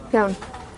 Iawn.